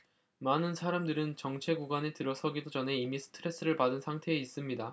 많은 사람들은 정체 구간에 들어서기도 전에 이미 스트레스를 받은 상태에 있습니다